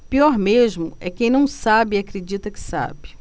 pior mesmo é quem não sabe e acredita que sabe